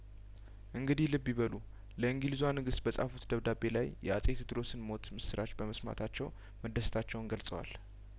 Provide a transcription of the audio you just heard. እንግዲህ ልብ ይበሉ ለእንግሊዟ ንግስት በጻፉት ደብዳቤ ላይ የአጼ ቴድሮስን ሞትምስራች በመስማታቸው መደሰታቸውን ገልጸዋል